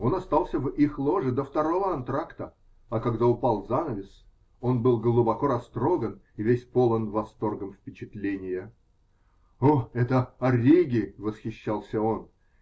Он остался в их ложе до второго антракта, а когда упал занавес, он был глубоко растроган и весь полон восторгом впечатления. -- О, эта Арриги! -- восхищался он.